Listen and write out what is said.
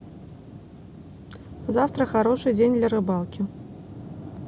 завтра хороший день для рыбалки